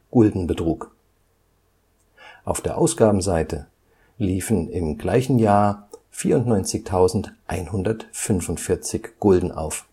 Gulden betrug. Auf der Ausgabenseite liefen im gleichen Jahr 94.145 Gulden auf